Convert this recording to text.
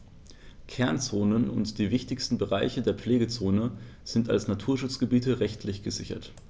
Kernzonen und die wichtigsten Bereiche der Pflegezone sind als Naturschutzgebiete rechtlich gesichert.